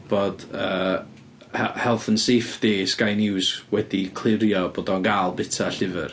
Bod yy Health and Safety Sky News wedi clirio bod o'n gael byta llyfr.